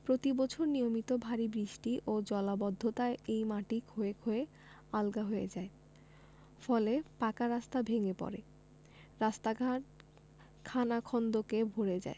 প্রতিবছর নিয়মিত ভারি বৃষ্টি ও জলাবদ্ধতায় এই মাটি ক্ষয়ে ক্ষয়ে আলগা হয়ে যায় ফলে পাকা রাস্তা ভেঙ্গে পড়ে রাস্তাঘাট খানাখন্দকে ভরে যায়